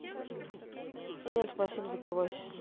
нет спасибо закрывайся